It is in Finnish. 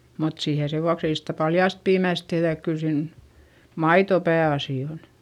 mutta siihen sen vuoksi ei sitä paljaasta piimästä tehdä että kyllä siinä maito pääasia on